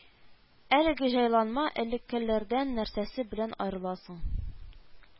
Әлеге җайланма элеккеләрдән нәрсәсе белән аерыла соң